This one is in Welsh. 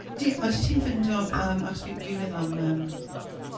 Di- odi ti'n ffindio yym... achos fi- fi'n meddwl am, yym...